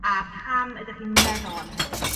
A pam ydych chi'n meddwl am hynny?